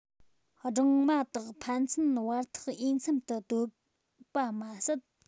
སྦྲང མ དག ཕན ཚུན བར ཐག འོས འཚམ དུ སྡོད པ མ ཟད